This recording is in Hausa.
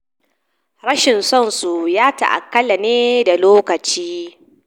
Rashin so su ya ta’allaka ne da lokaci.